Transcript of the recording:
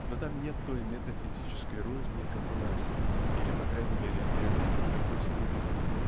Но там нет той метафизической розни как у нас или по крайней мере ее нет в такой степени